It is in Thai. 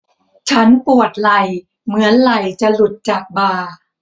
ฉันปวดไหล่เหมือนไหล่จะหลุดจากบ่า